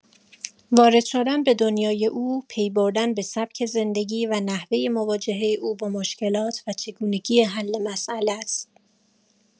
وارد شدن به دنیای او، پی‌بردن به سبک زندگی و نحوه مواجه او با مشکلات و چگونگی حل‌مسئله است.